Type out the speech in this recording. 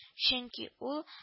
Чөнки ул